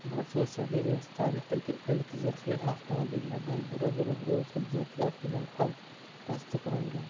mazkur cadillac tarixdagi ilk zirhli avtomobillardan biri bo'lib bu hujjatlar bilan ham tasdiqlangan